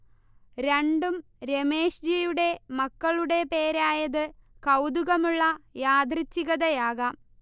രണ്ടും രമേഷ്ജിയുടെ മക്കളുടെ പേരായത് കൗതുകമുള്ള യാദൃച്ഛികതയാകാം